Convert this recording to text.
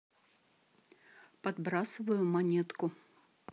подбрасываю монетку